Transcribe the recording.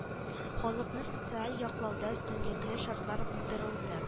Халыкны социаль яклауда өстенлекле шартлар булдырылды